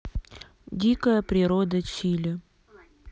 дикая природа чили